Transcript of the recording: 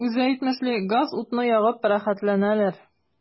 Үзе әйтмешли, газ-утны ягып “рәхәтләнәләр”.